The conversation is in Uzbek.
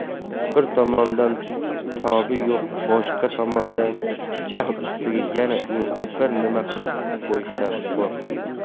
bir tomondan tobi yo'q boshqa tomondan jahl ustida yana o'zini bir nima qilib qo'yishidan qo'rqdi